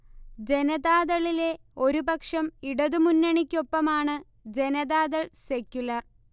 ജനതാദളിലെ ഒരു പക്ഷം ഇടതു മുന്നണിക്കൊപ്പമാണ് ജനാതാദൾ സെക്യുലർ